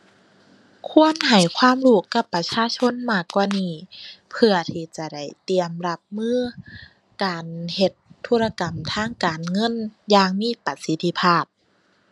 ควรให้ความรู้กับประชาชนมากกว่านี้ เพื่อที่จะได้เตรียมรับมือการเฮ็ดธุรกรรมทางการเงินอย่างมีประสิทธิภาพ